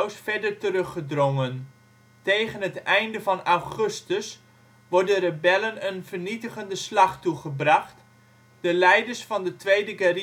verder teruggedrongen. Tegen het einde van augustus wordt de rebellen een vernietigende slag toegebracht: de leiders van de tweede